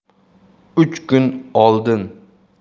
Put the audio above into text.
uch kun oldin